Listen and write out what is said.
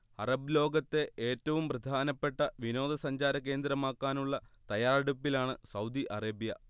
Arab ലോകത്തെ ഏറ്റവും പ്രധാനപ്പെട്ട വിനോദ സഞ്ചാര കേന്ദ്രമാക്കാനുള്ള തയാറെടുപ്പിലാണ് സൗദി അറേബ്യ